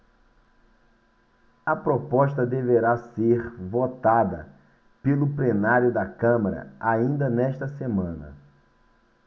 a proposta deverá ser votada pelo plenário da câmara ainda nesta semana